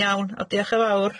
Iawn, o diolch yn fawr.